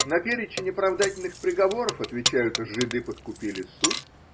На перечень оправдательных приговоров отвечают: жиды подкупили суд.